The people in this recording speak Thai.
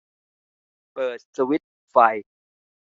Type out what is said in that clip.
เปิดสวิตช์ไฟ